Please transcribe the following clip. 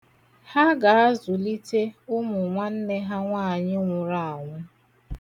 Ha ga-azụlite ụmụ nwanne ha nwaanyị nwụrụ anwụ.